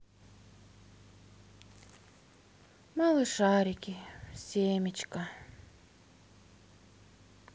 малышарики семечка